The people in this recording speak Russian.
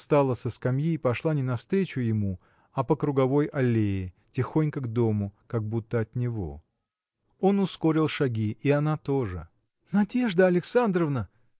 встала со скамьи и пошла не навстречу ему а по круговой аллее тихонько к дому как будто от него. Он ускорил шаги, и она тоже. – Надежда Александровна!